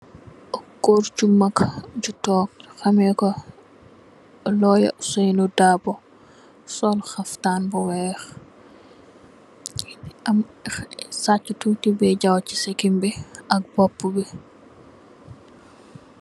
Gór gu mak gu tóóg xameko ci Loya Ousainu Darbó sol xaftan bu wèèx sacci tutti bejaw ci sikiñ bi ak bopú bi.